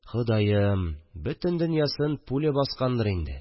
Ходаем, бөтен донъясын пүле баскандыр инде